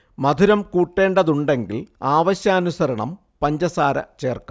മധുരം കൂട്ടേണ്ടതുണ്ടെങ്കിൽ ആവശ്യാനുസരണം പഞ്ചസാര ചേർക്കാം